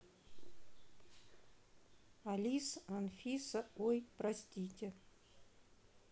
алис анфиса ой простите